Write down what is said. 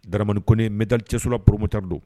Daramani Kɔnɛ metal . cɛsula poromoteur don.